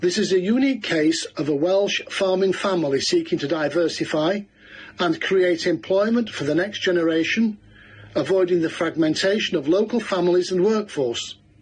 This is a unique case of a Welsh farming family seeking to diversify and create employment for the next generation, avoiding the fragmentation of local families and workforce.